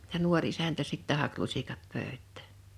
ja nuori isäntä sitten haki lusikat pöytään